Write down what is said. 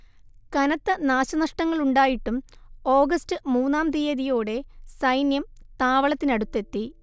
കനത്ത നാശനഷ്ടങ്ങളുണ്ടായിട്ടും ഓഗസ്റ്റ് മൂന്നാം തീയതിയോടെ സൈന്യം താവളത്തിനടുത്തെത്തി